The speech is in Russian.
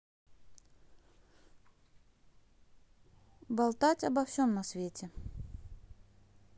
болтать обо всем на свете